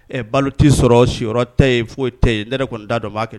Ɛɛ balo tɛi sɔrɔ si tɛ ye foyi tɛ yen ne yɛrɛ kɔni da dɔ b'a kɛ